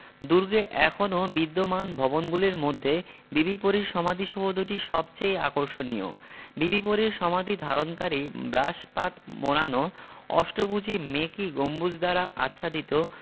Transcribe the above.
দুর্গে এখনও বিদ্যমান ভবনগুলির মধ্যে বিবি পরীর সমাধিসৌধটি সবচেয়ে আকর্ষণীয় বিবি পরীর সমাধি ধারণকারী ব্রাস পাত মোড়ানো অষ্টভুজী মেকী গম্বুজ দ্বারা আচ্ছাদিত